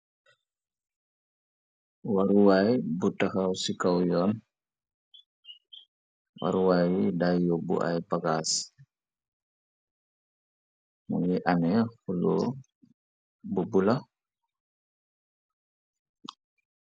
Waruwaay bu taxaw ci kaw yoon waruwaay yi day yóbbu ay pagaas mungi amee xuloo bu bula.